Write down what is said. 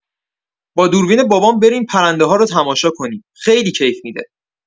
با دوربین بابام بریم پرنده‌ها رو تماشا کنیم، خیلی کیف می‌ده.